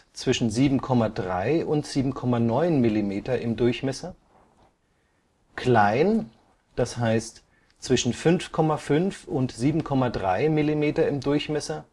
zwischen 7,3 und 7,9 mm im Durchmesser klein: zwischen 5,5 und 7,3 mm im Durchmesser